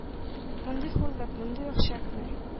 Мондый хурлык, мондый вәхшәтне?!